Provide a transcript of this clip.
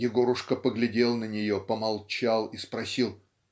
Егорушка поглядел на нее, помолчал и спросил